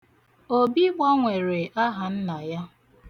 Obi gbanwere ahanna ya.